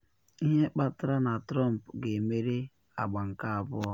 Ihe Kpatara Na Trump Ga-emeri Agba Nke Abụọ